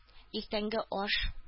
Иртәнге аш